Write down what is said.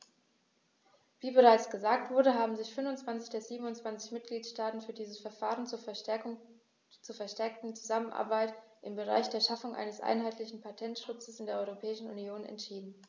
Wie bereits gesagt wurde, haben sich 25 der 27 Mitgliedstaaten für dieses Verfahren zur verstärkten Zusammenarbeit im Bereich der Schaffung eines einheitlichen Patentschutzes in der Europäischen Union entschieden.